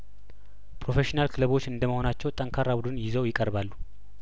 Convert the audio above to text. ፕሮፌሽናል ክለቦች እንደመሆ ናቸው ጠንካራ ቡድን ይዘው ይቀርባሉ